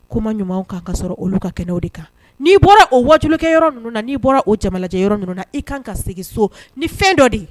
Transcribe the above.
Koma ɲumanw kan ka sɔrɔ olu ka kɛnɛw de kan. Ni bɔra o wajuli kɛ yɔrɔ na ni bɔra o jamanajɛ yɔrɔ ninnu na i kan ka segin so ni fɛn dɔ de ye